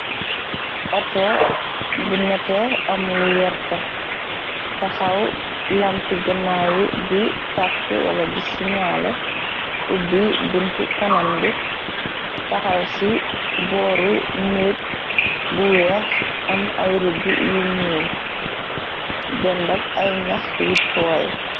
Auto bu nate am lu werta taxaw lampiganawi di tàkk wala di sinalé ubbi bunt kanam bi taxaw ci booru mégg bu weex am ay rëgg yu ñuur dendak ay ñax yu tooy.